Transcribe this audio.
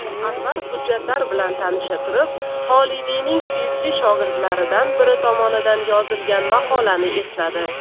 anvar hujjatlar bilan tanisha turib xolidiyning suyukli shogirdlaridan biri tomonidan yozilgan maqolani esladi